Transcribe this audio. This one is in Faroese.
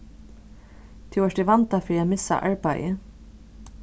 tú ert í vanda fyri at missa arbeiðið